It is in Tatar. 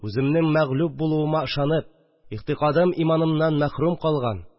Үземнең мәгълүб булуыма ышанып, игътикадым-иманан мәхрүм калган